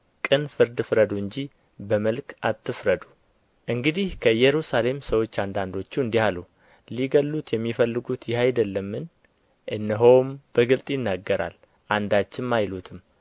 ቅን ፍርድ ፍረዱ እንጂ በመልክ አትፍረዱ እንግዲህ ከኢየሩሳሌም ሰዎች አንዳንዶቹ እንዲህ አሉ ሊገድሉት የሚፈልጉት ይህ አይደለምን እነሆም በግልጥ ይናገራል አንዳችም አይሉትም